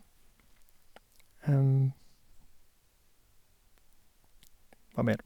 Hva mer?